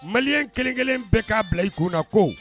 Mali kelen kelen bɛ k'a bila i kunna ko